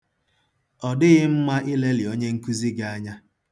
Ọ dịghị mma ilelị onye nkụzi gị anya.